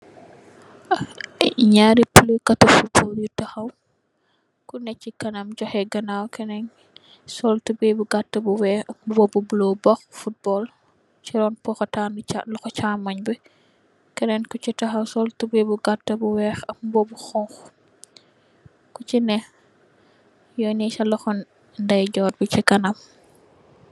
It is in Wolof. Nyaari playkat football yu tahaw, ku nè chi kanam johè ganaaw. Kenen ki sol tubeye bu gaat bu weeh ak mbuba bu bulo boh football chi ron pukutan bi loho chàmoñ bi. kenen ki chi tahaw sol tubeye bu gaat bu weeh ak mbubba bu honku. Ku chi nè yonè sah loho ndejor bi chi kanam.